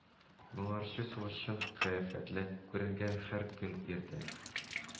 Моңарчы сугышчан кыяфәтле күренгән, һәр көн иртән